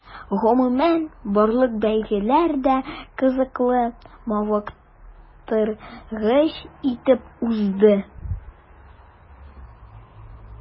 Гомумән, барлык бәйгеләр дә кызыклы, мавыктыргыч итеп узды.